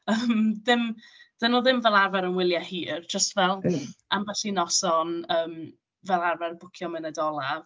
Yym ddim 'di nhw ddim fel arfer yn wyliau hir, jyst fel... mm ...ambell i noson, yym, fel arfer bwcio munud olaf.